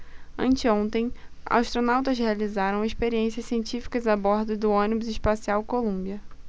anteontem astronautas realizaram experiências científicas a bordo do ônibus espacial columbia